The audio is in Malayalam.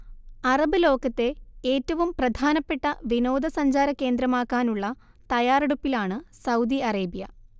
അറബ് ലോകത്തെ ഏറ്റവും പ്രധാനപ്പെട്ട വിനോദ സഞ്ചാര കേന്ദ്രമാകാനുള്ള തയാറെടുപ്പിലാണ് സൗദി അറേബ്യ